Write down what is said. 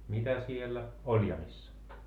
mitä siellä oljamissa